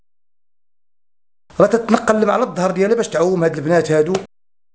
نقل معرض تهريب البنات